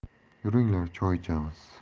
yuringlar choy ichamiz